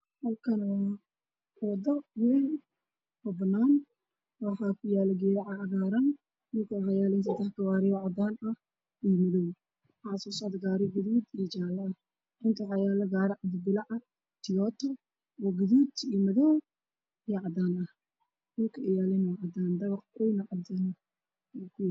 Halkaan waa wado wayn oo banaan ah waxaa kuyaalo geedo cagaaran waxaa yaalo seddex gaari cadaan iyo madow waxaa soo socdo gaari gaduud ah iyo jaale . Waxaa meesha taagan gaari cabdibile iyo tiyoto, gaduud, madow iyo cadaan dhulkuna waa cadaan, dabaqa waa cadaan.